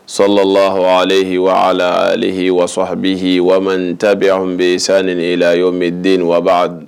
Sola alewa aleyi waso habiyi wa tabi an bɛ sa ni e la yɔrɔo min den wa